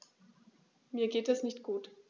Mir geht es nicht gut.